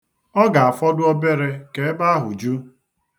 Ọ ga-afọdụ obere ka ebe ahụ ju.